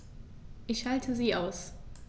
Ich schalte sie aus.